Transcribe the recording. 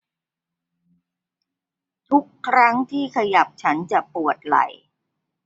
ทุกครั้งที่ขยับฉันจะปวดไหล่